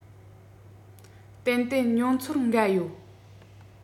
ཏན ཏན མྱོང ཚོར འགའ ཡོད